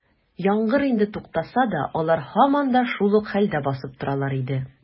Яңгыр инде туктаса да, алар һаман да шул ук хәлдә басып торалар иде.